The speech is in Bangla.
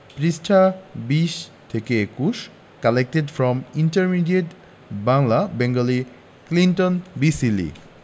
পৃষ্ঠাঃ ২০ ২১ collected from intermediate Bangla Bengali Clinton B Seely